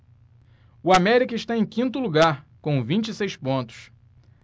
o américa está em quinto lugar com vinte e seis pontos